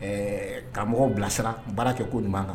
Ɛɛ karamɔgɔ bilasira baara kɛ ko jumɛn kan